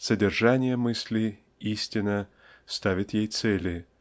содержание мысли--истина-- ставит ей цели